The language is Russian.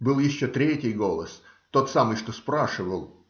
Был еще третий голос, тот самый, что спрашивал